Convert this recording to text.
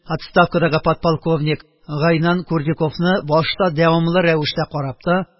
Отставкадагы подполковник гайнан курдюковны башта дәвамлы рәвештә карап та